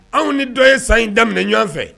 Anw ni dɔ ye san in daminɛ ɲɔgɔn fɛ